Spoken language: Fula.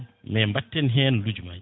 mais batten hen lijumaji